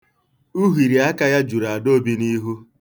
Uhiri aka ya juru Adaọra n'ihu.